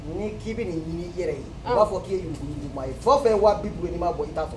Ni' k'i bɛ nin ɲini i yɛrɛ ye u b'a fɔ k'i ye yuruguyurugumaa ye fɛn o fɛn wa bi duuru ye n'i m'a bɔ i t'a sɔrɔ